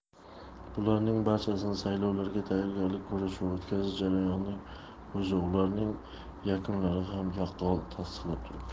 bularning barchasini saylovlarga tayyorgarlik ko'rish va o'tkazish jarayonining o'zi ularning yakunlari ham yaqqol tasdiqlab turibdi